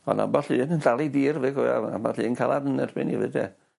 On' amball un yn dal 'i ddir 'fyd gwe- amball un calad yn erbyn i 'fyd 'de?